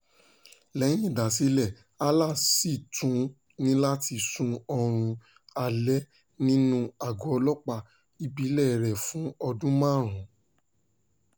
Lẹ́yìn ìdásílẹ̀, Alaa ṣì tún ní láti sun ọrùn alẹ́ nínú àgọ́ ọlọ́pàá ìbílẹ̀ẹ rẹ̀ fún "ọdún márùn-ún".